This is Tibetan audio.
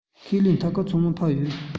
ཁས ལེན མཐའ སྐོར ཚང མ འཕར ཡོད